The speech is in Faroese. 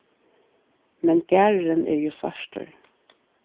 men garðurin er jú svartur